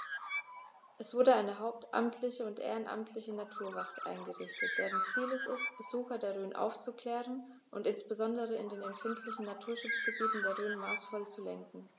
Es wurde eine hauptamtliche und ehrenamtliche Naturwacht eingerichtet, deren Ziel es ist, Besucher der Rhön aufzuklären und insbesondere in den empfindlichen Naturschutzgebieten der Rhön maßvoll zu lenken.